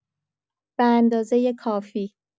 به‌اندازه کافی